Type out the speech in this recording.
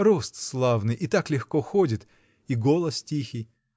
Рост славный, и так легко ходит, и голос тихий.